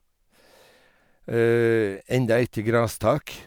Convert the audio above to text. Enda er itj det grastak.